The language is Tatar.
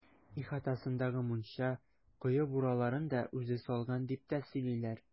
Ихатасындагы мунча, кое бураларын да үзе салган, дип тә сөйлиләр.